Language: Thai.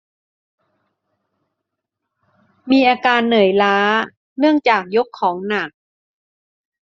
มีอาการเหนื่อยล้าเนื่องจากยกของหนัก